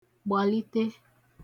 gbali(te)